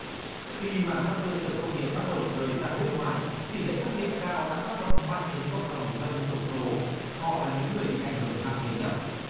khi mà các cơ sở công nghiệp bắt đầu rời ra nước ngoài tỷ lệ thất nghiệp cao đã tác động mạnh đến cộng đồng dân thiểu số họ là những người bị ảnh hưởng nặng nề nhất